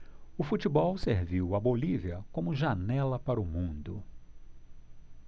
o futebol serviu à bolívia como janela para o mundo